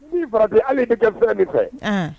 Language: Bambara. N fara hali' kɛ fɛn nin fɛ